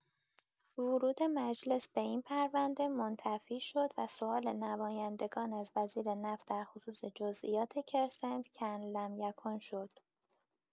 ورود مجلس به این پرونده منتفی شد و سوال نمایندگان از وزیر نفت در خصوص جزئیات کرسنت، کان‌لم‌یکن شد.